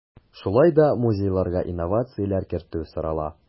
Шулай да музейларга инновацияләр кертү сорала.